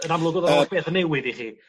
Yn amlwg o'dd a holl beth yn newydd i chi.